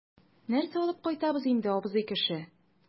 Нәрсә алып кайтабыз инде, абзый кеше?